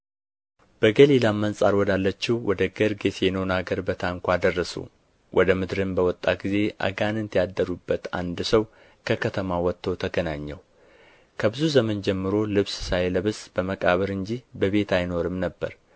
በገሊላም አንጻር ወዳለችው ወደ ጌርጌሴኖን አገር በታንኳ ደረሱ ወደ ምድርም በወጣ ጊዜ አጋንንት ያደሩበት አንድ ሰው ከከተማ ወጥቶ ተገናኘው ከብዙ ዘመንም ጀምሮ ልብስ ሳይለብስ በመቃብር እንጂ በቤት አይኖርም ነበር